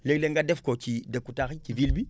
léeg-léeg nga def ko ci dëkku taax yi ci ville bi